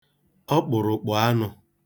ọkpụ̀rụ̀kpụ̀ anụ̄